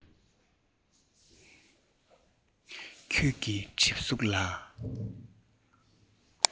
ཁྱོད ཀྱི གྲིབ གཟུགས ལ